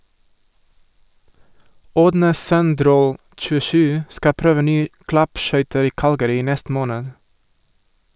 Ådne Søndrål (27) skal prøve nye klappskøyter i Calgary i neste måned.